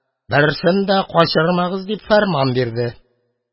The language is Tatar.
Берсен дә качырмагыз! – дип фәрман бирде.